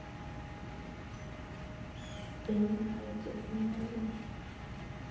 я не знаю отец не найден